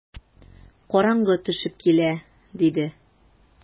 Караңгы төшеп килә, - диде.